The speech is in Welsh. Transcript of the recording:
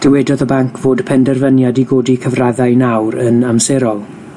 Dywedodd y banc fod y penderfyniad i godi cyfraddau nawr yn amserol.